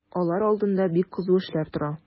Алар алдында бик кызу эшләр тора.